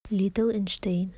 литл эйнштейн